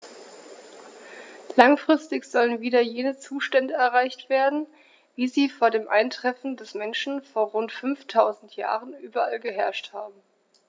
Langfristig sollen wieder jene Zustände erreicht werden, wie sie vor dem Eintreffen des Menschen vor rund 5000 Jahren überall geherrscht haben.